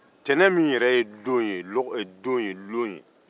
ntɛnɛn min ye don ye